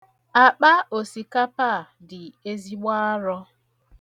Akpa osikapa a dị ezigbo arọ